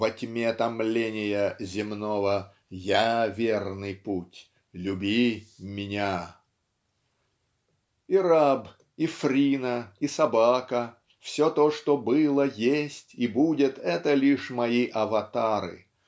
Во тьме томления земного Я -- верный путь. Люби Меня. И раб и Фрина и собака все то что было есть и будет -- это лишь мои аватары